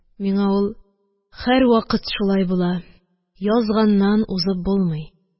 Миңа ул: – һәрвакыт шулай була, язганнан узып булмый